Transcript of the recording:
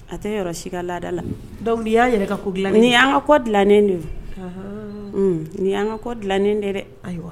A tɛ yɔrɔ si ka laadada la, donc nin y'an yɛrɛ ka ko dilanen ye, nin y'an ka ko dilanen de ye o, anhan, nin y'an ka ko dilanen de ye dɛ, ayiwa